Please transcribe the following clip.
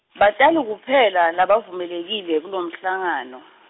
batali kuphela, labavumelekile kulomhlangano.